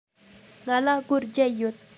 ང ལ སྒོར བརྒྱད ཡོད